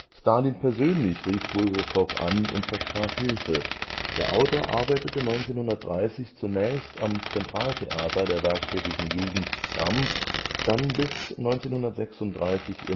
Stalin persönlich rief Bulgakow an und versprach Hilfe. Der Autor arbeitete 1930 zunächst im Zentraltheater der werktätigen Jugend TRAM, dann bis 1936